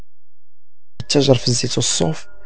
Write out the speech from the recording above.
شجره الزيتون